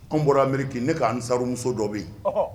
An bɔra Ameriki ne ka amisarimuso dɔ be yen